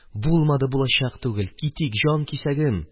Булмады, булачак түгел. Китик, җанкисәгем!